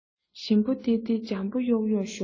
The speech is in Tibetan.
ཞིམ པོ སྟེར སྟེར འཇམ པོ གཡོག གཡོག ཞོག